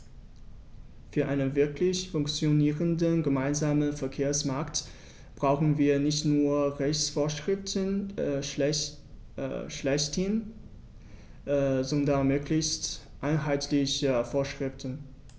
Für einen wirklich funktionierenden gemeinsamen Verkehrsmarkt brauchen wir nicht nur Rechtsvorschriften schlechthin, sondern möglichst einheitliche Vorschriften.